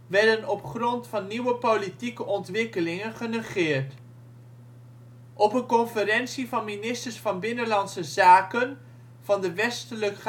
werden op grond van nieuwe politieke ontwikkelingen genegeerd. Op een conferentie van ministers van Binnenlandse Zaken van de westelijk